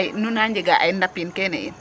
Nu na njegaa ay ndapin kene yiin.